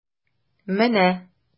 Менә...